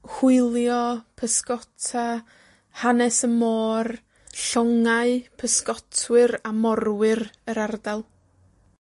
hwylio, pysgota, hanes y môr, llongau pysgotwyr a morwyr yr ardal.